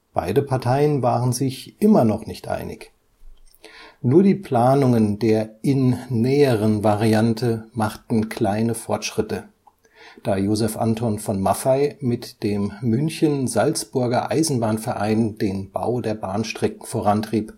Beide Parteien waren sich immer noch nicht einig. Nur die Planungen der Inn-näheren Variante machten kleine Fortschritte, da Joseph Anton von Maffei mit dem München-Salzburger-Eisenbahn-Verein den Bau der Bahnstrecken vorantrieb